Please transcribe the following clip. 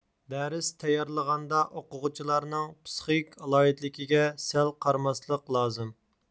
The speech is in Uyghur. دەرس تەييارلىغاندا ئوقۇغۇچىلارنىڭ پسىخىك ئالاھىدىلىكىگە سەل قارىماسلىق لازىم